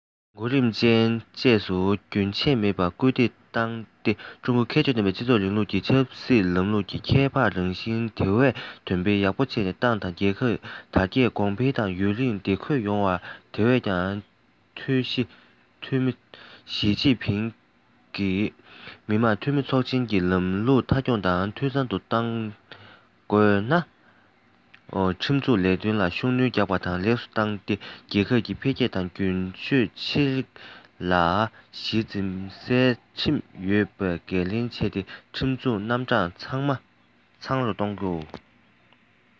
གོ རིམ ཅན བཅས སུ རྒྱུན ཆད མེད པར སྐུལ འདེད བཏང སྟེ ཀྲུང གོའི ཁྱད ཆོས ཀྱི སྤྱི ཚོགས རིང ལུགས ཀྱི ཆབ སྲིད ལམ ལུགས ཀྱི ཁྱད འཕགས རང བཞིན དེ བས འདོན སྤེལ ཡག པོ བྱས ནས ཏང དང རྒྱལ ཁབ དར རྒྱས གོང འཕེལ དང ཡུན རིང བདེ འཁོད ཡོང རྒྱུར དེ བས འཐུས ཞིས ཅིན ཕིང གིས མི དམངས འཐུས མི ཚོགས ཆེན གྱི ལམ ལུགས མཐའ འཁྱོངས དང འཐུས ཚང དུ གཏོང དགོས ན ཁྲིམས འཛུགས ལས དོན ལ ཤུགས སྣོན རྒྱག པ དང ལེགས སུ བཏང སྟེ རྒྱལ ཁབ འཕེལ རྒྱས དང སྒྱུར བཅོས ཆེ རིགས ལ གཞི འཛིན སའི ཁྲིམས ཡོད པའི འགན ལེན བྱས ནས ཁྲིམས འཛུགས རྣམ གྲངས ཚང མ རྩ ཁྲིམས ཀྱི དགོངས དོན དང མཐུན པ དང